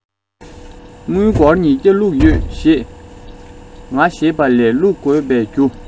དངུལ སྒོར མོ ཉི བརྒྱ བླུག ཡོད ཞེས པ ལས བླུག དགོས པའི རྒྱུ